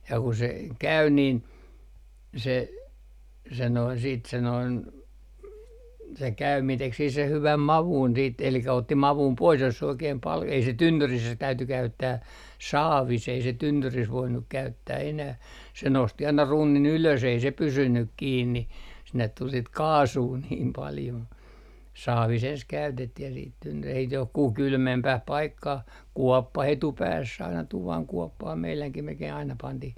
ja kun se kävi niin se se noin sitten se noin se käyminen teki siihen sen hyvän maun sitten eli otti maun pois jos se oikein paljon ei se tynnyrissä se täytyi käyttää saavissa ei se tynnyrissä voinut käyttää enää se nosti aina runnin ylös ei se pysynyt kiinni sinne tuli sitten kaasua niin paljon saavissa ensin käytettiin ja sitten - ei - johonkin kylmempään paikkaan kuoppaan etupäässä aina tuvan kuoppaan meidänkin melkein aina pantiin